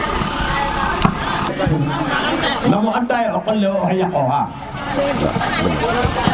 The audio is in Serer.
nama an ta ye o qol lo wo o xay yaqo xa